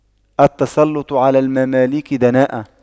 التسلُّطُ على المماليك دناءة